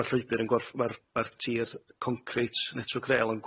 ma'r llwybyr yn gorff- ma'r ma'r tir concrit Network Rail yn